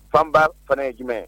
Fanba fana ye jumɛn